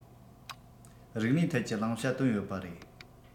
རིག གནས ཐད ཀྱི བླང བྱ བཏོན ཡོད པ རེད